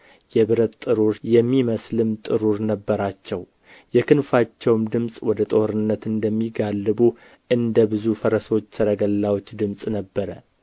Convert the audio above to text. የብረት ጥሩር የሚመስልም ጥሩር ነበራቸው የክንፋቸውም ድምፅ ወደ ጦርነት እንደሚጋልቡ እንደ ብዙ ፈረሶች ሰረገላዎች ድምፅ ነበረ